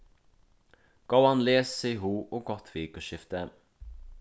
góðan lesihug og gott vikuskifti